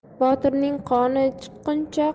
botirning qoni chiqquncha